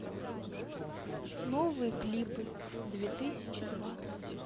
новые клипы две тысячи двадцать